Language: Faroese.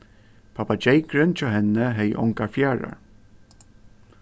pappageykurin hjá henni hevði ongar fjaðrar